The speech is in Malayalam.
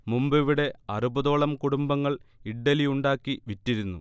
മുമ്പിവിടെ അറുപതോളം കുടുംബങ്ങൾ ഇഡ്ഢലി ഉണ്ടാക്കി വിറ്റിരുന്നു